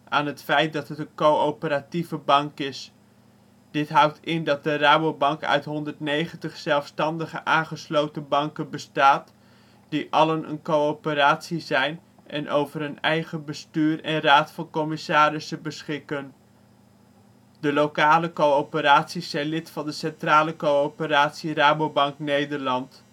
aan het feit dat het een coöperatieve bank is. Dit houdt in dat de Rabobank uit 190 zelfstandige aangesloten banken bestaat, die allen een coöperatie zijn en over een eigen bestuur en raad van commissarissen beschikken. De lokale coöperaties zijn lid van de centrale coöperatie Rabobank Nederland